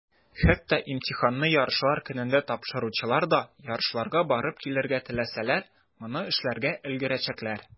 Хәтта имтиханны ярышлар көнендә тапшыручылар да, ярышларга барып килергә теләсәләр, моны эшләргә өлгерәчәкләр.